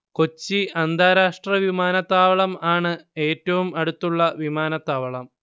കൊച്ചി അന്താരാഷ്ട്ര വിമാനത്താവളം ആണ് ഏറ്റവും അടുത്തുള്ള വിമാനത്താവളം